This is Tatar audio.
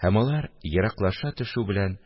Һәм, алар ераклаша төшү белән